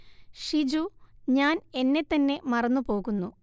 ഷിജു ഞാന്‍ എന്നെ തന്നെ മറന്നു പോകുന്നു